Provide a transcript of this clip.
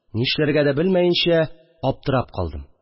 Нишләргә дә белмәенчә аптырап калдым